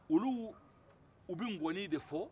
olu u bɛ ŋɔnin de fɔ